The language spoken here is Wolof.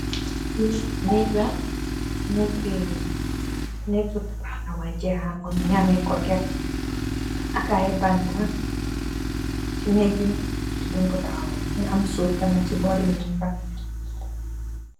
Li nake la nake bi nake bu tanga waay jeexa ngut mugi ameh korget ak ay banta ci nake bi si duñj ko taxawareh nu am suuf tamit ci bori neg ba.